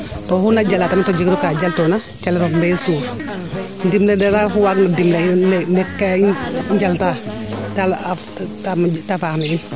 to oxu na jala tamit to jegiro kaa ja l toona calel of mbee suur ndimle daal oxu waag na dimele a in rek kaa i njata ta moƴ ta faax na in